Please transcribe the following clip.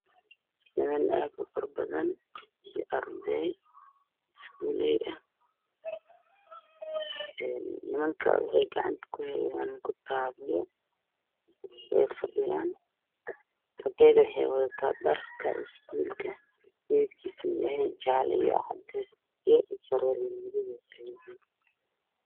Waa niman aad u faro badan iyo arday iskuuley ah, nimanka waxay gacanta kuheystaan kitaabo, way fadhiyaan, ardaydu waxay wataan dhar jaale ah iyo dhar cadeys ah iyo indho shareer madow.